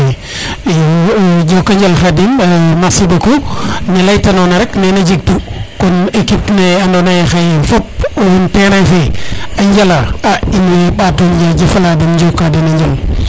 ok iyo Njoko njal Khadim merci beaucoup ne leyta nona rek nene jegtu kon equipe ne ando naye xaye fop owan terrain fe a njala in way ɓato njajefala den njoka dena njal